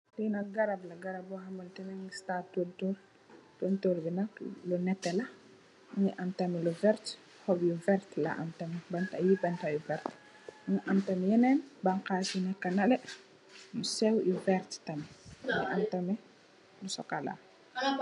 Li nak garab la, garab bo hamantene mungi start tontorr. Tontorr bi nak bu netè la, mungi am tamit lu vert. hop yu vert la am tamit, banta yi banta yu vert. Mu am tamit yenen baghas yu nekka nalè yu sew yu vert tamit ak tamit bu sokola.